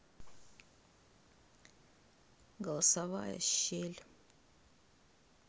голосовая щель